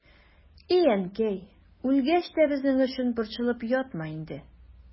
И әнкәй, үлгәч тә безнең өчен борчылып ятма инде.